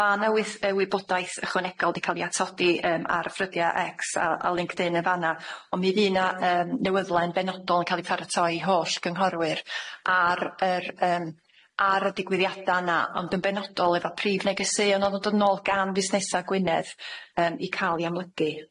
Ma' 'na wyth- yy wybodaeth ychwanegol 'di ca'l 'i atodi yym ar ffrydia Ecs a a LinkedIn yn fan'a on' mi fy' 'na yym newyddlen benodol yn ca'l 'i paratoi holl gynghorwyr ar yr yym ar y digwyddiada yna ond yn benodol efo prif negeseuon o'dd yn dod nôl gan fusnesa Gwynedd yym i ca'l 'i amlygu.